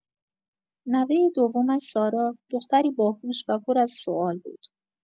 نوۀ دومش سارا، دختری باهوش و پر از سوال بود.